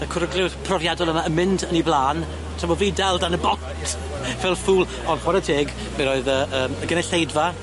y cwregliwr profiadol yma yn mynd yn 'i blan, tra bo' fi dal dan y bont fel ffŵl, on' chware teg, fe roedd y, yym, y gynulleidfa